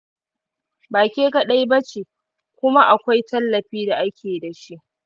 ba ke kaɗai ba ce, kuma akwai tallafi da ake da shi.